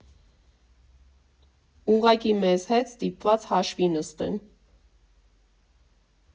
Ուղղակի մեզ հետ ստիպված հաշվի նստեն։